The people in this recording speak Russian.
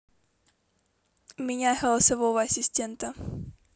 поменяй голосового ассистента